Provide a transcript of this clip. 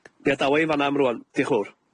Mi adawa' 'i'n fan'na am rŵan. Diolch fowr.